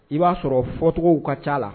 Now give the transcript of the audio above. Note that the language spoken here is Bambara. I b'a sɔrɔ fɔcogow ka ca la